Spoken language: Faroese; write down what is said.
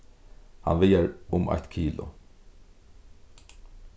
hann vigar um eitt kilo